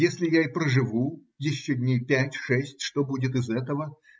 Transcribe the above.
Если я и проживу еще дней пять-шесть, что будет из этого?